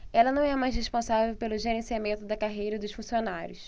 ela não é mais responsável pelo gerenciamento da carreira dos funcionários